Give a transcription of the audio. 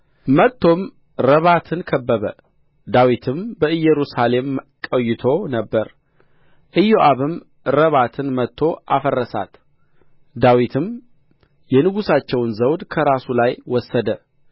መጥቶም ረባትን ከበበ ዳዊትም በኢየሩሳሌም ቈይቶ ነበር ኢዮአብም ረባትን መትቶ አፈረሳት ዳዊትም የንጉሣቸውን ዘውድ ከራሱ ላይ ወሰደ